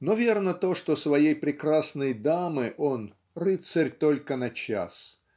но верно то, что своей Прекрасной Дамы он - рыцарь только на час.